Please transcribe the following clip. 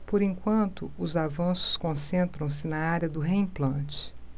por enquanto os avanços concentram-se na área do reimplante